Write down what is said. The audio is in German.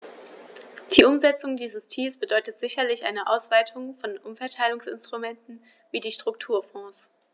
Die Umsetzung dieses Ziels bedeutet sicherlich eine Ausweitung von Umverteilungsinstrumenten wie die Strukturfonds.